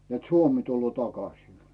että Suomi tulee takaisin